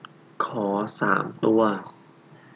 ขอสามตัว